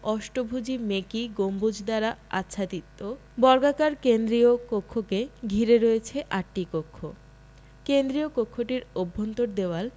অষ্টভুজী মেকী গম্বুজ দ্বারা আচ্ছাদিত বর্গাকার কেন্দ্রীয় কক্ষকে ঘিরে রয়েছে আটটি কক্ষ কেন্দ্রীয় কক্ষটির অভ্যন্তর দেওয়াল